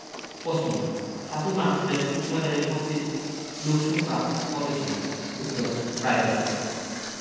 পশ্ন ৭ই March racecourse ময়দানে উপস্থিত লূকসংক্ষা কত ছিলো উত্তর প্রায় দশ লক্ষ